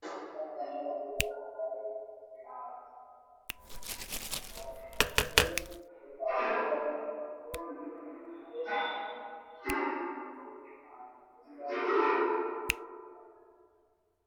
Waa niman iyo naago meel fadhiyo ninka usoo horeyo wuxuu wataa suud cadeys ah iyo taay madow iyo caddaan ah